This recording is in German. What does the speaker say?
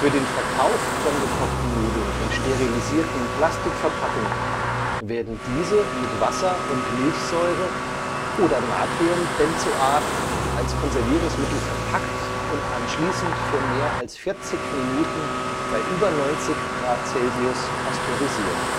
den Verkauf von gekochten Nudeln in sterilisierten Plastikverpackungen werden diese mit Wasser und Milchsäure oder Natriumbenzoat als Konservierungsmittel verpackt und anschließend für mehr als 40 Minuten bei über 90 °C pasteurisiert